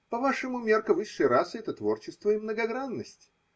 По-вашему, мерка высшей расы – это творчество и многогранность.